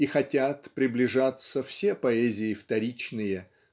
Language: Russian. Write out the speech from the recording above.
и хотят приближаться все поэзии вторичные